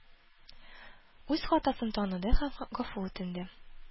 Үз хатасын таныды һәм гафу үтенде.